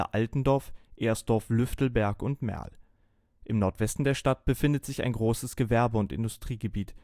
Altendorf, Ersdorf, Lüftelberg und Merl. Im Nordwesten der Stadt befindet sich ein großes Gewerbe - und Industriegebiet